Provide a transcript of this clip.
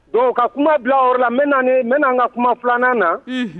Dɔnku ka kuma bila o la n bɛan ka kuma filanan na